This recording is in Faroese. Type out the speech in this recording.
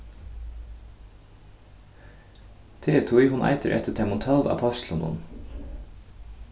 tað er tí hon eitur eftir teimum tólv ápostlunum